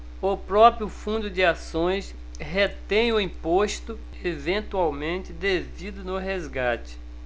o próprio fundo de ações retém o imposto eventualmente devido no resgate